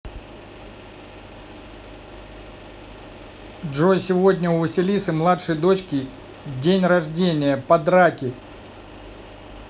джой сегодня у василисы у младшей дочки день рождения подраки